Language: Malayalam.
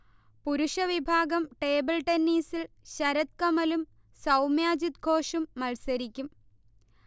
പുരുഷവിഭാഗം ടേബിൾ ടെന്നീസിൽ ശരത് കമലും സൗമ്യജിത് ഘോഷും മൽസരിക്കും